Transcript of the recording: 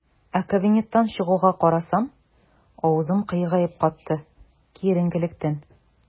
Ә кабинеттан чыгуга, карасам - авызым кыегаеп катты, киеренкелектән.